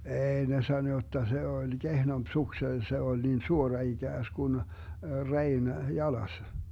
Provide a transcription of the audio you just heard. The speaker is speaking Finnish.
ei ne sanoi jotta se oli kehnompi suksi se oli niin suora ikään kuin reen jalas